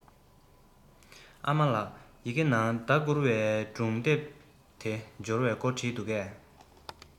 ཨ མ ལགས ཡི གེ ནང ཟླ བསྐུར བའི སྒྲུང དེབ དེ འབྱོར བའི སྐོར བྲིས འདུག གས